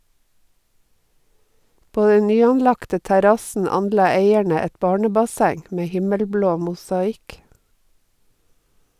På den nyanlagte terrassen anla eierne et barnebasseng med himmelblå mosaikk.